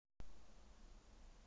песня morgenshtern я правильно сделали